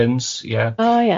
O ia.